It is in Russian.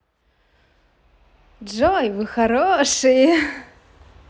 джой вы хорошие